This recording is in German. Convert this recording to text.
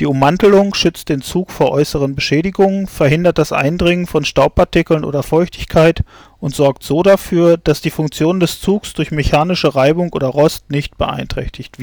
Die Ummantelung schützt den Zug vor äußeren Beschädigungen, verhindert das Eindringen von Staubpartikeln oder Feuchtigkeit und sorgt so dafür, dass die Funktion des Zugs durch mechanische Reibung oder Rost nicht beeinträchtigt